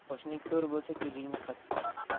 qo'shning ko'r bo'lsa ko'zingni qis